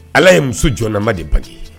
Ala ye muso jɔna ma de bange ye